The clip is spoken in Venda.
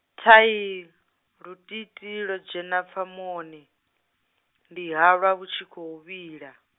thai, lutiitii lwo dzhena pfamoni, ndi halwa vhu tshi khou vhila.